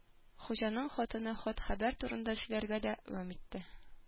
Хуҗаның хатыны хат-хәбәр турында сөйләргә дәвам итте